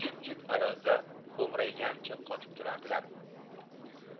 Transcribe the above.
jimjit ayozda xo'mraygancha qotib turardilar